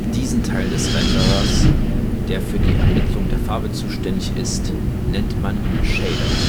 Diesen Teil des Renderers, der für die Ermittlung der Farbe zuständig ist, nennt man Shader